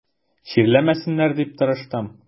Чирләмәсеннәр дип тырыштым.